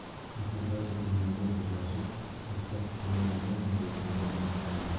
axir barcha temuriylar birlashib ittifoq tuzsalar bo'lmasmi dedi nigor xonim kuyunib